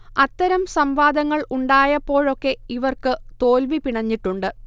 അത്തരം സംവാദങ്ങൾ ഉണ്ടായപ്പോഴൊക്കെ ഇവർക്ക് തോൽവി പിണഞ്ഞിട്ടുണ്ട്